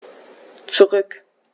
Zurück.